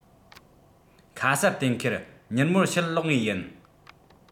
ཁ གསལ གཏན འཁེལ མྱུར མོར ཕྱིར ལོག ངེས ཡིན